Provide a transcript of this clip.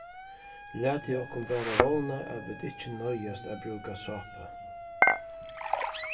latið okkum bara vóna at vit ikki noyðast at brúka sápu